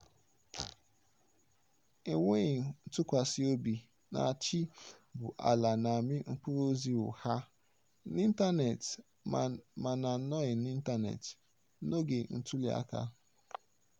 Enweghị ntụkwasị obi na-achị bụ ala na-amị mkpụrụ ozi ụgha – n'ịntaneetị ma n'anọghị n'ịntaneetị – n'oge ntụliaka.